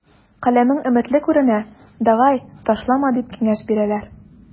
Каләмең өметле күренә, давай, ташлама, дип киңәш бирәләр.